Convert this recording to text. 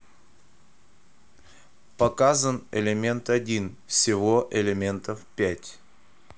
показан элемент один всего элементов пять